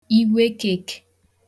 iwhe ekìkè